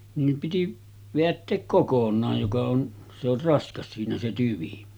niin piti vedättää kokonaan joka on se on raskas siinä se tyvi